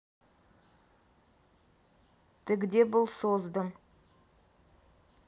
ты где был создан